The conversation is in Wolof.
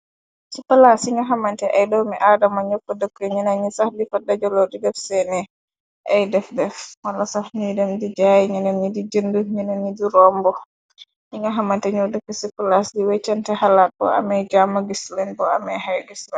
ci palaas yi nga xamante ay doomi aadama ñokka dëkk ñina ñi sax difa dajaloo digëf seene ay def def wala sax ñuy dem di jaay ñëne ñi di jënd ñëne ñi di rombo yi nga xamante ñoo dëkk ci palaas di weccante xalaat bo amee jàma gisslen bo amee xaw gisslen.